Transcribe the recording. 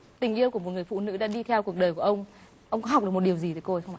tình yêu của một người phụ nữ đã đi theo cuộc đời của ông ông có học được một điều gì từ cô ấy không